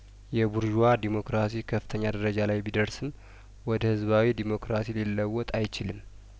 የቡርዧ ዴሞክራሲ ከፍተኛ ደረጃ ላይ ቢደርስም ወደ ህዝባዊ ዴሞክራሲ ሊለወጥ አይችልም